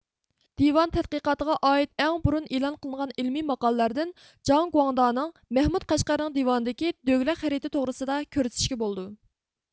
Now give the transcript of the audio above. دىۋان تەتقىقاتىغا ئائىت ئەڭ بۇرۇن ئېلان ئېلىنغان ئىلمىي ماقالىلەردىن جاڭ گۇاڭدانىڭ مەھمۇد قەشقەرىنىڭ دىۋانىدىكى دۆگلەك خەرىتە توغرىسىدا كۆرسىتىشكە بولىدۇ